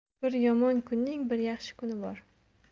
bir yomon kunning bir yaxshi kuni bor